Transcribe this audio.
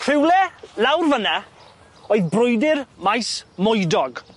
Rhywle lawr fynna oedd brwydyr maes Moedog.